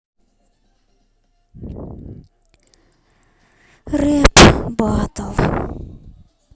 рэп батл